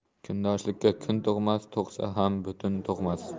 kundoshlikka kun tug'mas tug'sa ham butun tug'mas